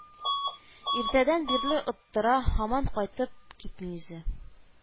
Иртәдән бирле оттыра, һаман кайтып китми үзе